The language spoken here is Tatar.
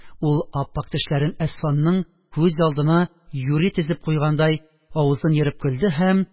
– ул, ап-ак тешләрен әсфанның күз алдына юри тезеп куйгандай, авызын ерып көлде һәм